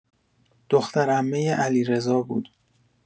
دخترعمۀ علیرضا بود.